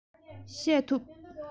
བཤད ཐུབ